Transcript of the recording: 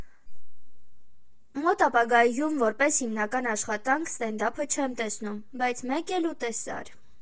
Մոտ ապագայում, որպես հիմնական աշխատանք, ստենդափը չեմ տեսնում, բայց մեկ էլ ու տեսար։